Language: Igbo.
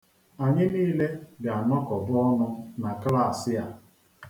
Anyị niile ga-anọkọba ọnụ na klaasị a.